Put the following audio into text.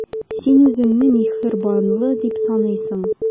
Син үзеңне миһербанлы дип саныйсың.